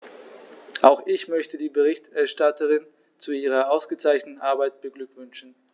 Auch ich möchte die Berichterstatterin zu ihrer ausgezeichneten Arbeit beglückwünschen.